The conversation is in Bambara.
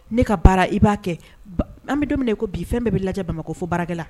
Ne ka baara i b'a kɛ an bɛ don ko bi fɛn bɛɛ bɛ lajɛ bamakɔ ko fo baara la